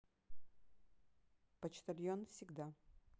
почтальон всегда